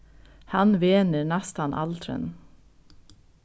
hann venur næstan aldrin